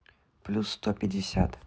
плюс сто пятьдесят